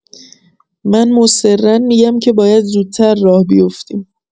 من مصرا می‌گم که باید زودتر راه بیفتیم.